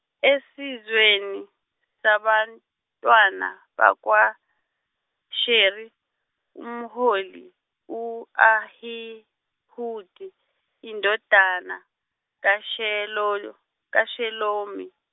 esizweni, sabantwana bakwa, Sheri, umholi, u Ahihudi, indodana, kaShelolo- kaShelomi.